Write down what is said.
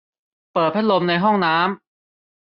เปิดพัดลมในห้องน้ำ